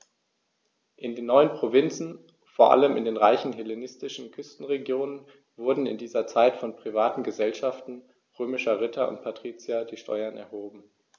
In den neuen Provinzen, vor allem in den reichen hellenistischen Küstenregionen, wurden in dieser Zeit von privaten „Gesellschaften“ römischer Ritter und Patrizier die Steuern erhoben.